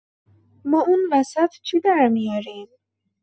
ما اون وسط چی درمی‌اریم؟